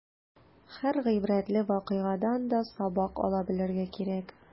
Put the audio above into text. Һәр гыйбрәтле вакыйгадан да сабак ала белергә кирәк.